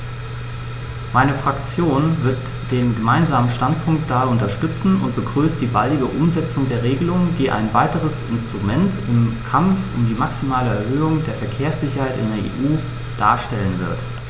Meine Fraktion wird den Gemeinsamen Standpunkt daher unterstützen und begrüßt die baldige Umsetzung der Regelung, die ein weiteres Instrument im Kampf um die maximale Erhöhung der Verkehrssicherheit in der EU darstellen wird.